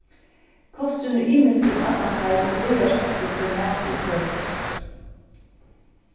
kosturin er ymiskur um allan heim og lagar seg eftir hvør matur er tøkur